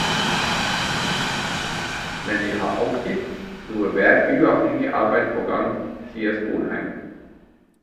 Men jeg har alltid noe væruavhengig arbeid på gang, sier Sponheim.